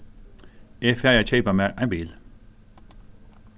eg fari at keypa mær ein bil